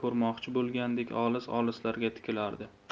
ko'rmoqchi bo'lgandek olis olislarga tikilardi